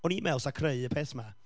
O'n i'n meddwl 'sa creu y peth 'ma,